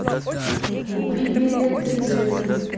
купить билеты в цирк